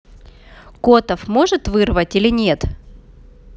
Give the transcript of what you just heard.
kotov может вырвать или нет